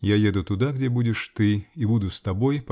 -- Я еду туда, где будешь ты, -- и буду с тобой